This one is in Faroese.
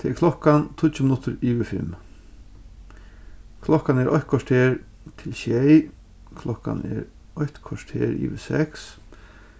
tað er klokkan tíggju minuttir yvir fimm klokkan er eitt korter til sjey klokkan er eitt korter yvir seks